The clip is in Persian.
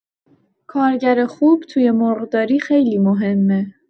کارگر خوب توی مرغداری خیلی مهمه.